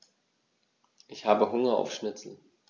Ich habe Hunger auf Schnitzel.